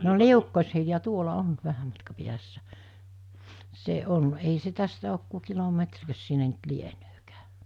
no Liukkos-Hilja tuolla on vähän matkan päässä se on ei se tästä ole kuin kilometrikös sinne nyt lieneekään